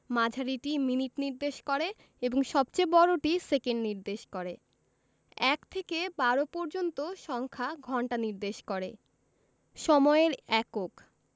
মাঝারিটি মিনিট নির্দেশ করে এবং সবচেয়ে বড়টি সেকেন্ড নির্দেশ করে ১ থেকে ১২ পর্যন্ত সংখ্যা ঘন্টা নির্দেশ করে সময়ের এককঃ